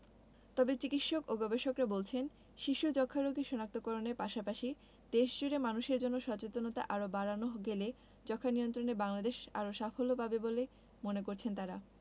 তবে চিকিৎসক ও গবেষকরা বলছেন শিশু যক্ষ্ণারোগী শনাক্ত করণের পাশাপাশি দেশজুড়ে মানুষের মধ্যে সচেতনতা আরও বাড়ানো গেলে যক্ষ্মানিয়ন্ত্রণে বাংলাদেশ আরও সাফল্য পাবেই বলে মনে করছেন তারা